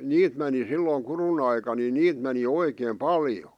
niitä meni silloin kudun aikaan niin niitä meni oikein paljon